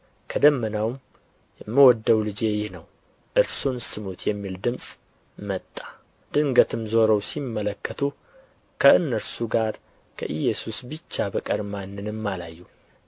ከደመናውም የምወደው ልጄ ይህ ነው እርሱን ስሙት የሚል ድምፅ መጣ ድንገትም ዞረው ሲመለከቱ ከእነርሱ ጋር ከኢየሱስ ብቻ በቀር ማንንም አላዩም